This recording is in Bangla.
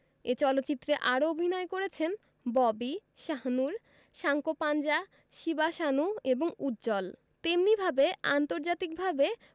এ চলচ্চিত্রে আরও অভিনয় করেছেন ববি শাহনূর সাঙ্কোপাঞ্জা শিবা সানু এবং উজ্জ্বল তেমনিভাবে আন্তর্জাতিকভাবে